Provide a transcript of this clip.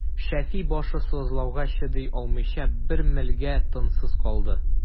Шәфи, башы сызлауга чыдый алмыйча, бер мәлгә тынсыз калды.